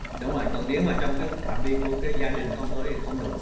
đúng rồi còn nếu mà trong cái phạm vi của cái gia đình không thôi thì không đủ